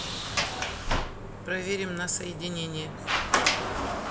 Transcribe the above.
проверим на соединение